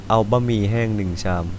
เอาบะหมี่แห้งหนึ่งชาม